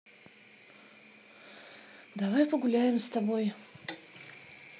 давай погуляем с тобой